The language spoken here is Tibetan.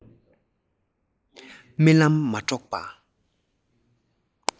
རྨི ལམ མ དཀྲོགས པ